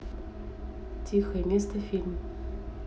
тихое место фильм